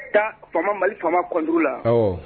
Taa fa mali fa kɔntu la